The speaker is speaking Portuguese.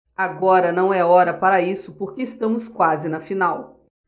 agora não é hora para isso porque estamos quase na final